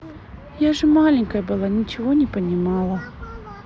я же маленькая была ничего не понимала